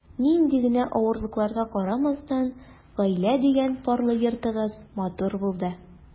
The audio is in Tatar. Нинди генә авырлыкларга карамастан, “гаилә” дигән парлы йортыгыз матур булды.